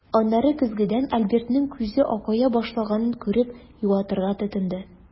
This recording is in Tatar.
Аннары көзгедән Альбертның күзе акая башлаганын күреп, юатырга тотынды.